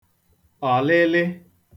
ọ̀lịlị